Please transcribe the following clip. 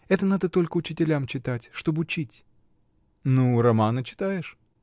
Это надо только учителям читать, чтоб учить. — Ну, романы читаешь?